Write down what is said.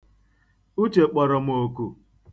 Uchenna kpọrọ m oku.